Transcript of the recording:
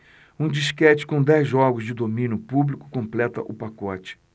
um disquete com dez jogos de domínio público completa o pacote